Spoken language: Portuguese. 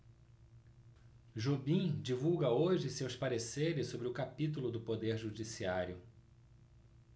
jobim divulga hoje seus pareceres sobre o capítulo do poder judiciário